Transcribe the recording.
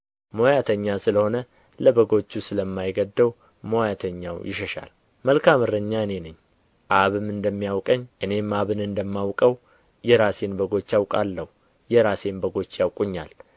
ሞያተኛ ስለ ሆነ ለበጎቹም ስለማይገደው ሞያተኛው ይሸሻል መልካም እረኛ እኔ ነኝ አብም እንደሚያውቀኝ እኔም አብን እንደማውቀው የራሴን በጎች አውቃለሁ የራሴም በጎች ያውቁኛል